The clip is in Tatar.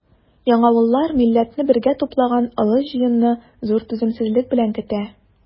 Яңавыллар милләтне бергә туплаган олы җыенны зур түземсезлек белән көтә.